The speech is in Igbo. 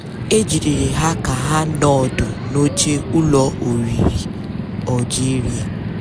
E jidere ha ka ha nọ ọdụ n'oche ụlọ oriri Algeria.